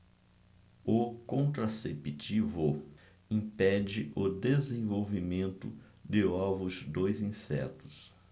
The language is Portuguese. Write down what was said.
o contraceptivo impede o desenvolvimento de ovos dos insetos